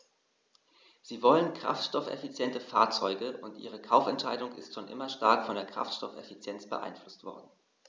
Sie wollen kraftstoffeffiziente Fahrzeuge, und ihre Kaufentscheidung ist schon immer stark von der Kraftstoffeffizienz beeinflusst worden.